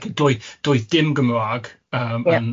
Ac doedd doedd dim Gymrag yym